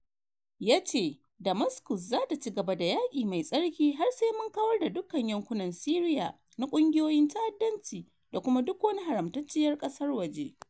Ya ce Damascus za ta ci gaba da ""yaƙi mai tsarki har sai mun kawar da dukkan yankunan Siriya" na ƙungiyoyin ta'addanci da kuma "duk wani haramtacciyar ƙasar waje."